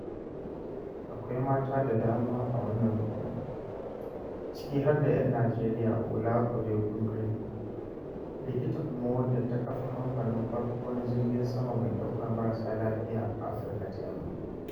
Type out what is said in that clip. Akwai mata da dama a wannan rukuni, ciki har da 'yar Najeriya Ola Orekunrin, likita kuma wadda ta kafa kamfanin farko na jirgin sama mai ɗaukar marasa lafiya a Afirka ta Yamma.